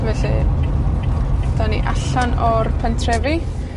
Felly, 'dan ni allan o'r pentrefi.